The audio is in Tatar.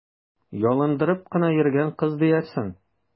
Ялындырып кына йөргән кыз диярсең!